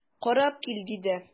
Карап кил,– диде.